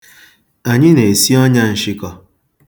Anyị na-esi ọnya nshịkọ.